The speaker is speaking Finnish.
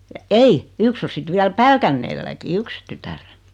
ja ei yksi on sitten vielä Pälkäneelläkin yksi tytär